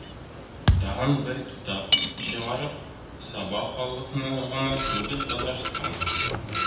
Тагын бер китап чыгарып, саба халыкны гына түгел, татарстан